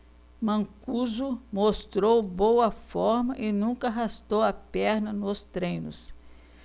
mancuso mostrou boa forma e nunca arrastou a perna nos treinos